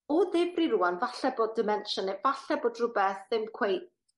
O ddifri rŵan falle bod dementia ne' falle bod rwbeth ddim cweit